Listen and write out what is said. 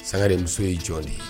Saga de muso ye jɔ ye